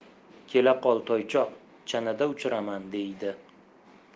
kelaqol toychoq chanada uchiraman deydi